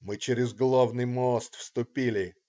"Мы через главный мост вступили.